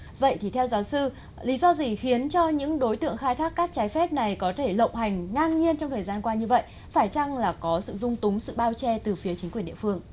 vậy thì theo giáo sư lý do gì khiến cho những đối tượng khai thác cát trái phép này có thể lộng hành ngang nhiên trong thời gian qua như vậy phải chăng là có sự dung túng sự bao che từ phía chính quyền địa phương